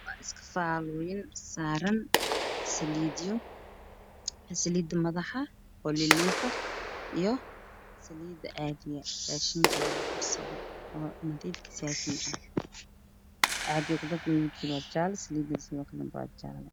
Waa iska faalooyin saaran saaran saliidyo saliida madaxa ooya liif ah iyo saliida cuntada oo nadiif ah midabka caaga ay ku jirto waa jaale saliidane sido kale waa jaale